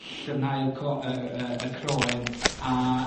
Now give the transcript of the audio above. llyfnhau'r co- yy y y croen, a